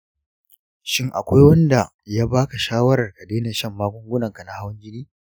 shin akwai wanda ya ba ka shawarar ka daina shan magungunanka na hawan jini?